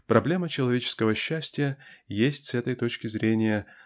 Проблема человеческого счастья есть с этой точки зрения